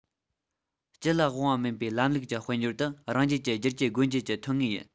སྤྱི ལ དབང བ མིན པའི ལམ ལུགས ཀྱི དཔལ འབྱོར ནི རང རྒྱལ གྱི བསྒྱུར བཅོས སྒོ འབྱེད ཀྱི ཐོན དངོས ཡིན